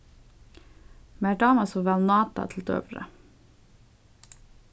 mær dámar so væl náta til døgurða